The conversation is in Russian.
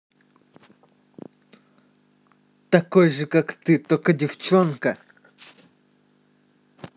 такой же как ты только девчонка